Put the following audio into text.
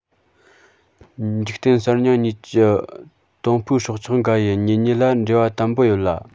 འཇིག བརྟེན གསར རྙིང གཉིས ཀྱི དོང ཕུག སྲོག ཆགས འགའ ཡི གཉེན ཉེ ལ འབྲེལ བ དམ པོ ཡོད ལ